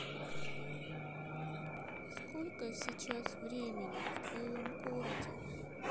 сколько сейчас времени в твоем городе